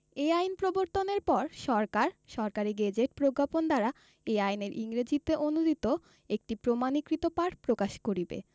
এই আইন প্রবর্তনের পর সরকার সরকারী গেজেট প্রজ্ঞাপন দ্বারা এই আইনের ইংরেজীতে অনুদিত একটি প্রমাণীকৃত পাঠ প্রকাশ করিবে